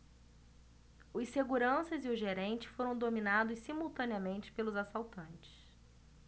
os seguranças e o gerente foram dominados simultaneamente pelos assaltantes